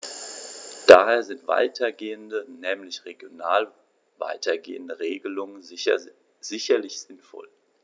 Daher sind weitergehende, nämlich regional weitergehende Regelungen sicherlich sinnvoll.